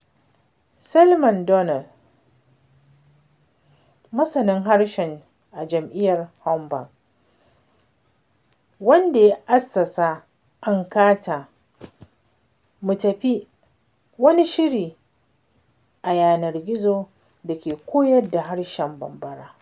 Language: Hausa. Coleman Donaldson, masanin harshe a Jami’ar Hamburg, shi ne wanda ya assasa An ka taa (“mu tafi”), wani shiri na yanar gizo da ke koyar da harshen Bambara.